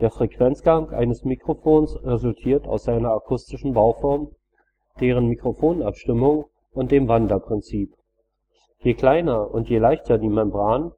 Frequenzgang eines Mikrofons resultiert aus seiner akustischen Bauform, der Mikrofonabstimmung und dem Wandlerprinzip. Je kleiner und je leichter die Membran